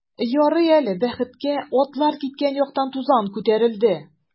Ярый әле, бәхеткә, атлар киткән яктан тузан күтәрелде.